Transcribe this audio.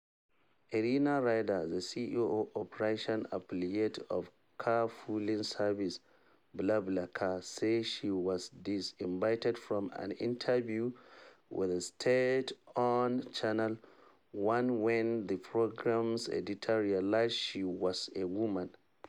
Irina Reyder, the CEO of the Russian affiliate of carpooling service BlaBlaCar, says she was disinvited from an interview with state-owned Channel One when the program’s editor realized she was a woman.